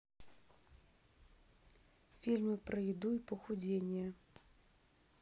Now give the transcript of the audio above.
фильмы про еду и похудение